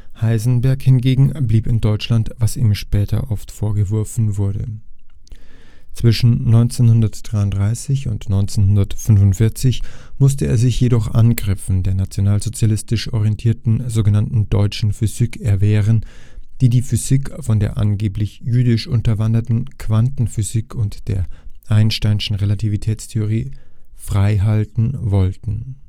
Heisenberg hingegen blieb in Deutschland, was ihm später oft vorgeworfen wurde. Zwischen 1933 und 1945 musste er sich jedoch Angriffen der nationalsozialistisch orientierten sogenannten „ Deutschen Physik “erwehren, die die Physik von der angeblich „ jüdisch unterwanderten “Quantenphysik und der Einsteinschen Relativitätstheorie freihalten wollten